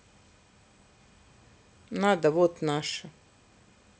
надо вот наше